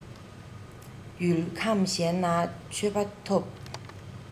ཡུལ ཁམས གཞན ན མཆོད པ ཐོབ